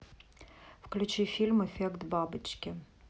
включи фильм эффект бабочки